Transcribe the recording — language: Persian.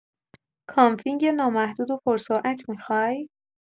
کانفیگ نامحدود و پرسرعت میخوای؟